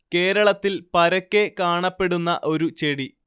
കേരളത്തിൽ പരക്കെ കാണപ്പെടുന്ന ഒരു ചെടി